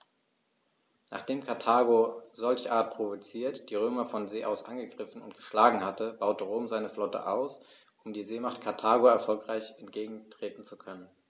Nachdem Karthago, solcherart provoziert, die Römer von See aus angegriffen und geschlagen hatte, baute Rom seine Flotte aus, um der Seemacht Karthago erfolgreich entgegentreten zu können.